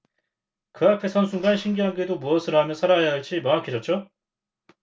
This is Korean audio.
그 앞에 선 순간 신기하게도 무엇을 하며 살아야 할지 명확해졌죠